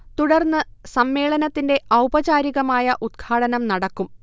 തുടർന്ന് സമ്മേളനത്തിന്റെ ഔപചാരികമായ ഉത്ഘാടനം നടക്കും